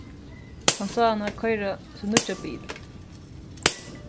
hann sá hana koyra sín nýggja bil